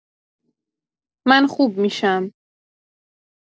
من خوب می‌شم.